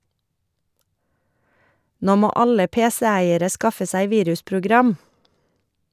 Nå må alle pc-eiere skaffe seg virusprogram!